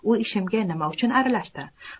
u ishimga nima uchun aralashdi